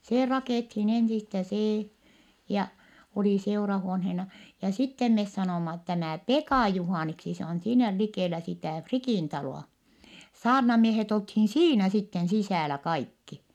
se rakennettiin ensistä se ja oli seurahuoneena ja sitten me sanoimme tämä Pekan Juhaniksi se on siinä likellä sitä Frikin taloa saarnamiehet oltiin siinä sitten sisällä kaikki